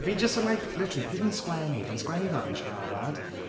Fi jyst yn like literally pryd fi'n sgwennu fi'n sgwennu fel fi'n siarad.